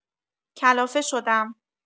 کلافه شدم